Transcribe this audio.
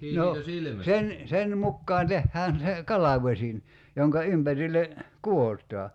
no sen sen mukaan tehdään se kalvosin jonka ympärille kudotaan